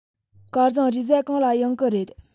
སྐལ བཟང རེས གཟའ གང ལ ཡོང གི རེད